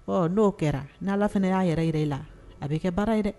Ɔ n'o kɛra n' Ala fana y'a yɛrɛ jira e la, a bɛ kɛ baara ye dɛ.